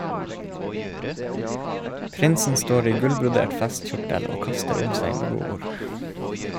Prinsen står i gullbrodert festkjortel og kaster om seg med godord.